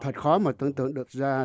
thật khó mà tưởng tượng được giờ